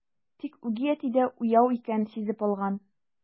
Тик үги әти дә уяу икән, сизеп алган.